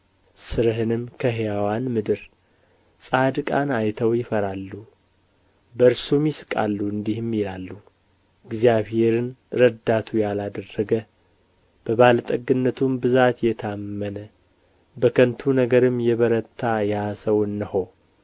ሥርህንም ከሕያዋን ምድር ጻድቃን አይተው ይፈራሉ በእርሱም ይሥቃሉ እንዲህም ይላሉ እግዚአብሔርን ረዳቱ ያላደረገ በባለጠግነቱም ብዛት የታመነ በከንቱ ነገርም የበረታ ያ ሰው እነሆ